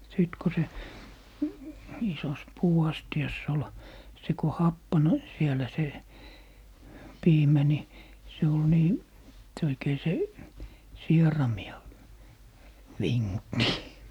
sitten kun se isossa puuastiassa oli se kun happani siellä se piimä niin se oli niin se oikein se sieraimia vingutti